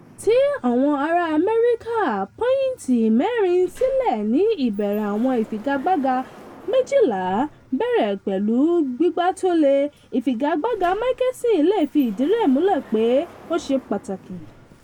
Tí àwọn ará Amẹ́ríkà, pọ́ìntì mẹ́rin sílẹ̀ ní ìbẹ̀rẹ̀ àwọn ìfigagbága 12, bẹ̀rẹ̀ pẹ̀lú gbígbà tó lé, ìfigagbaga Mickelson le fi ìdí rẹ̀ múlẹ̀ pé ó ṣe pàtàkì.